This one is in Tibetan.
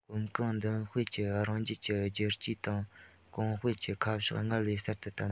གོམ གང མདུན སྤོས ཀྱིས རང རྒྱལ གྱི བསྒྱུར བཅོས དང གོང སྤེལ གྱི ཁ ཕྱོགས སྔར ལས གསལ དུ བསྟན